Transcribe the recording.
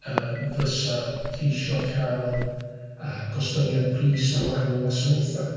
Fysa ceisio cael gostyngiad pris ar wahanol wasanaethau?